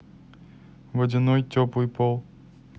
водяной теплый пол